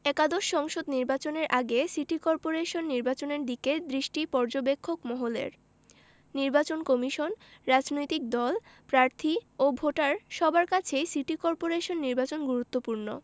একাদশ সংসদ নির্বাচনের আগে সিটি করপোরেশন নির্বাচনের দিকে দৃষ্টি পর্যবেক্ষক মহলের নির্বাচন কমিশন রাজনৈতিক দল প্রার্থী ও ভোটার সবার কাছেই সিটি করপোরেশন নির্বাচন গুরুত্বপূর্ণ